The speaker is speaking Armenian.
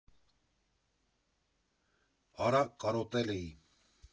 Արա կարոտե՜լ էի։